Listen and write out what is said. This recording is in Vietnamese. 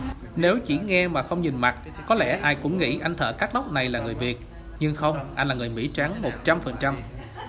nếu chỉ nghe mà không nhìn mặt có lẽ ai cũng nghĩ anh thợ cắt tóc này là người việt nhưng không anh là người mỹ trắng một trăm phần trăm